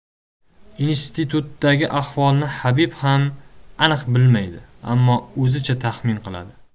institutdagi ahvolni habib ham aniq bilmaydi ammo o'zicha taxmin qiladi